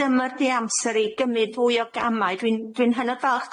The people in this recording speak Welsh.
dyma'r 'di amser i gymryd fwy o gamau dwi'n dwi'n hynod falch